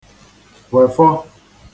wèfọ